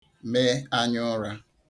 me anyaụrā